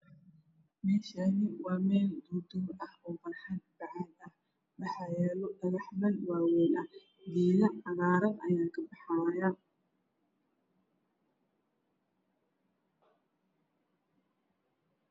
Meeshaan waa meel duurduur ah oo barxad bacaad ah waxaa yaalo dhagaxman waaweyn. Waxaa kabaxaayo geedo cagaaran.